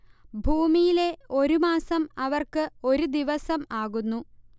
ഭൂമിയിലെ ഒരു മാസം അവർക്ക് ഒരു ദിവസം ആകുന്നു